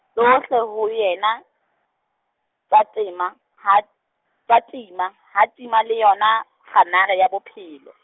tsohle ho yena, tsa tima, ha, tsa tima, ha tima le yona, kganare ya bophelo.